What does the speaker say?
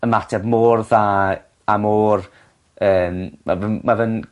ymateb mor dda a mor yym ma' fe'n ma' fe'n